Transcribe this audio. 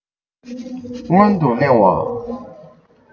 སྔོན དུ གླེང བ